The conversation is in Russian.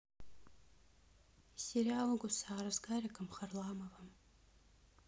сериал гусар с гариком харламовым